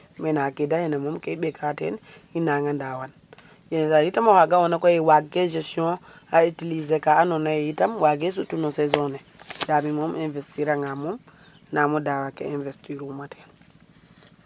Mene xa qiid axene moom ke i ɓekaa ten i nanga ndaawan yenisaay itam oxa ga'oona koy waagkee gestion a utiliser ka andoona ye itam waagee sutu no saison ne ndaa mimoom investir anga moom nam o daawaa ke investir uma ten.